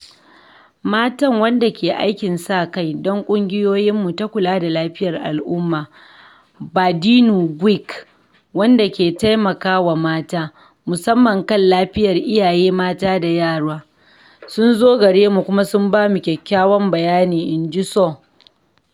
Matan wadda ke aikin sa-kai don ƙungiyarmu ta kula da lafiyar al’umma [“Badianou Guokh”] wadda ke taimaka wa mata, musamman kan lafiyar iyaye mata da yara… sun zo gare mu kuma sun bamu kyakyawan bayani. In ji Sow.